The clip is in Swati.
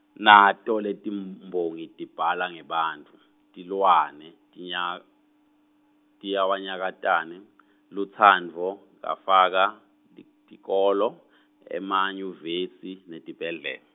nato letiMbongi tibhala ngebantfu, tilwane, tinya- tilwanyakatane , lutsandvo kafaka, tik- tikolo , emanyuvesi netibhedlel-.